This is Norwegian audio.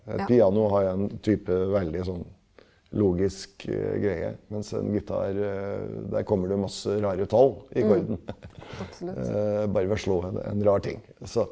piano har jo en type veldig sånn logisk greie mens en gitar der kommer det masse rare tall i akkorden bare ved å slå en en rar ting så.